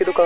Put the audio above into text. i